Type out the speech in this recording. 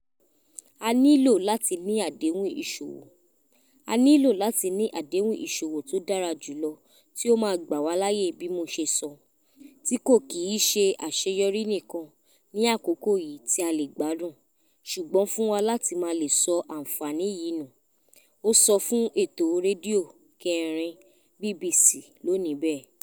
"A nílò láti ní àdéhùn ìṣòwò. A nílò láti ní àdéhùn ìṣòwò tó dára jùlọ tí ó máa gbà wá láàyè bí mo ṣe sọ, tí kò kì í ṣe àṣeyọrí nìkán ní àkókò yì tí a lé gbàdún, ṣùgbọ́n fún wa láti má le sọ àǹfààní yìí nù,” ó sọ fún ètò rédíò 4 BBC Lónìí bẹ́ẹ̀.